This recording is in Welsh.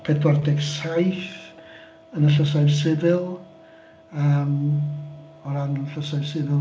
Pedwar deg saith yn y llysoedd sifil yym o ran y llysoedd sifil.